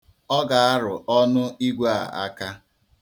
Ọ ga-arụ ọnụ igwe a aka.